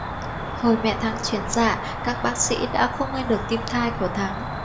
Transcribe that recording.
hồi mẹ thắng chuyển dạ các bác sỹ đã không nghe được tim thai của thắng